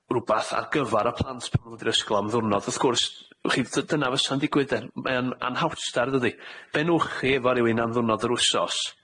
rwbath ar gyfar y plant pan ma' nw'n dod i'r ysgol am ddiwrnod. Wrth gwrs, w'ch chi, dy- dyna fysa'n digwydd 'de. Mae o'n anhawster dydi? Be' nowch chi efo rywun am ddiwrnod yr wsos?